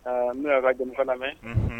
N' jamu lamɛn mɛn